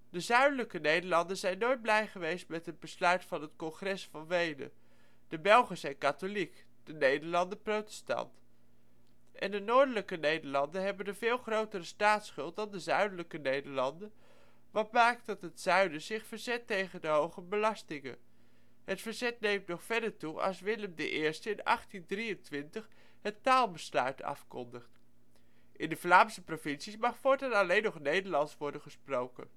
De Zuidelijke Nederlanden zijn nooit blij geweest met het besluit van het Congres van Wenen. De Belgen zijn katholiek, de Nederlanden protestant. En de Noordelijke Nederlanden hebben een veel grotere staatsschuld dan de Zuidelijke Nederlanden, wat maakt dat het Zuiden zich verzet tegen de hoge belastingen. Het verzet neemt nog verder toe als Willem I in 1823 het Taalbesluit afkondigt. In de Vlaamse provincies mag voortaan alleen nog Nederlands worden gesproken